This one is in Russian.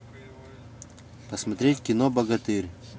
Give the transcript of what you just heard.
посмотреть кино богатырь